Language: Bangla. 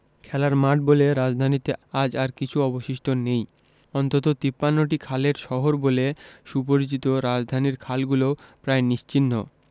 খেলার মাঠ বলে রাজধানীতে আজ আর কিছু অবশিষ্ট নেই অন্তত ৫৩টি খালের শহর বলে সুপরিচিত রাজধানীর খালগুলোও প্রায় নিশ্চিহ্ন